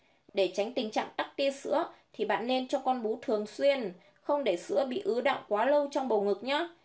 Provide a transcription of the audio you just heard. để tránh tình trạng tắc tia sữa thì các bạn nên cho con bú thường xuyên không để sữa bị ứ đọng quá lâu trong bầu ngực nhé